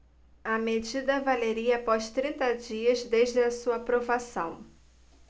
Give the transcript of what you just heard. a medida valeria após trinta dias desde a sua aprovação